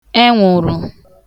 enwụ̀rụ̀